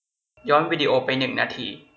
ย้อนวีดีโอไปหนึ่งนาที